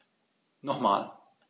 Nochmal.